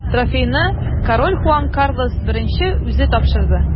Трофейны король Хуан Карлос I үзе тапшырды.